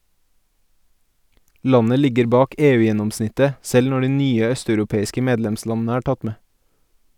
Landet ligger bak EU-gjennomsnittet, selv når de nye østeuropeiske medlemslandene er tatt med.